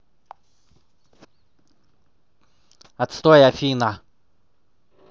отстой афина